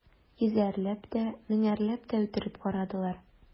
Йөзәрләп тә, меңәрләп тә үтереп карадылар.